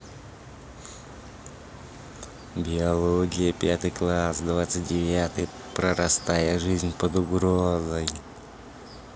биология пятый класс двадцать девятый прорастая жизнь под угрозой